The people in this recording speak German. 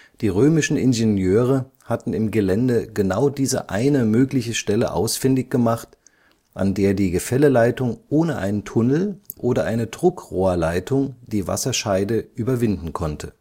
Die römischen Ingenieure hatten im Gelände genau diese eine mögliche Stelle ausfindig gemacht, an der die Gefälleleitung ohne einen Tunnel oder eine Druckrohrleitung die Wasserscheide überwinden konnte